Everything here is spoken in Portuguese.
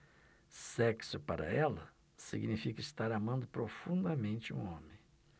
sexo para ela significa estar amando profundamente um homem